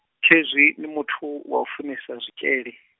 khezwi, ni muthu, wau funesa zwitshele?